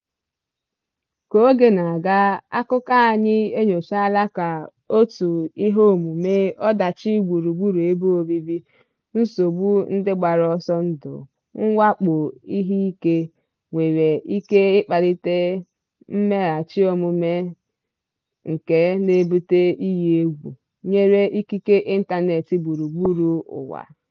Ka oge na-aga, akụkọ anyị enyochaala ka otu iheomume - ọdachi gburugburu ebe obibi, nsogbu ndị gbara ọsọ ndụ, mwakpo ihe ike - nwere ike ịkpalite mmeghachi omume nke na-ebute iyi egwu nyere ikike ịntaneetị gburugburu ụwa.